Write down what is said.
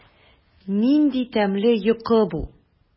Нинди тәмле йокы бу!